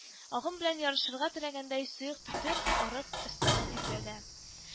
Агым белән ярышырга теләгәндәй сыек төтен арык өстендә тибрәлә